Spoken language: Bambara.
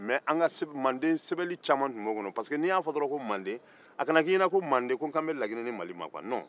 mɛ manden sɛbɛli caman tun b'o kɔnɔ pariseke ni n y'a f'i ɲɛna ko manden a kana k'i ɲɛna ko manden ko n kan bɛ laginɛ ni mali ma kuwa ayi